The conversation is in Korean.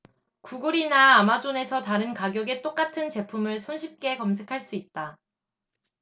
구글이나 아마존에서 다른 가격의 똑같은 제품을 손쉽게 검색할 수 있다